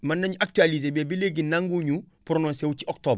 mën nañu actualisé mais ba léegi nanguwuñu prononcé wu si octobre